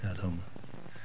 jaaraama